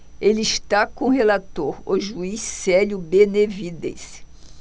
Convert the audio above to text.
ele está com o relator o juiz célio benevides